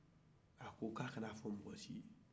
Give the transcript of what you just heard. a ko k'a kana fɔ ma si ye